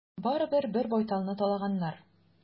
Барыбер, бер байталны талаганнар.